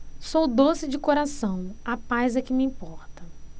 sou doce de coração a paz é que me importa